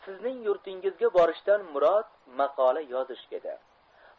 sizning yurtingizga borishdan murod maqola yozish edi